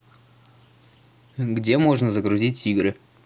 где можно загрузить игры